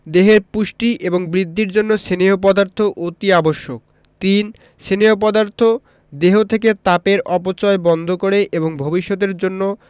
দেহের পুষ্টি এবং বৃদ্ধির জন্য স্নেহ পদার্থ অতি আবশ্যক ৩. স্নেহ পদার্থ দেহ থেকে তাপের অপচয় বন্ধ করে এবং ভবিষ্যতের জন্য